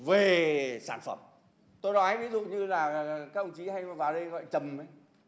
về sản phẩm tôi nói ví dụ như là các đồng chí hay vào đây gọi trầm ý